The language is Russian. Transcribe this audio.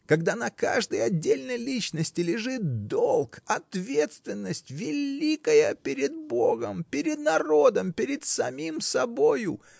когда на каждой отдельной личности лежит долг, ответственность великая перед богом, перед народом, перед самим собою!